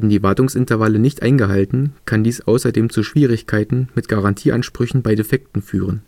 die Wartungsintervalle nicht eingehalten, kann dies außerdem zu Schwierigkeiten mit Garantieansprüchen bei Defekten führen